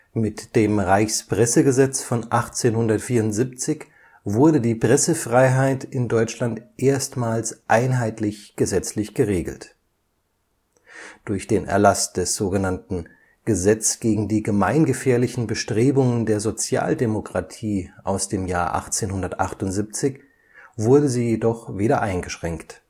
Mit dem Reichspressegesetz von 1874 wurde die Pressefreiheit in Deutschland erstmals einheitlich gesetzlich geregelt, durch den Erlass des „ Gesetz gegen die gemeingefährlichen Bestrebungen der Sozialdemokratie “1878 wurde sie jedoch wieder eingeschränkt